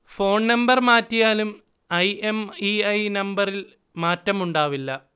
Phone number മാറ്റിയാലും I. M. E. I. നമ്പറിൽ മാറ്റമുണ്ടാവില്ല